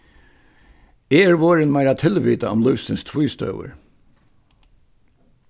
eg eri vorðin meira tilvitað um lívsins tvístøður